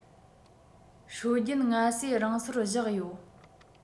སྲོལ རྒྱུན སྔ ཟས རང སོར བཞག ཡོད